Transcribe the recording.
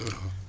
waaw